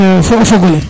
fo o fogole